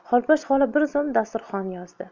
xolposh xola bir zumda dastur xon yozdi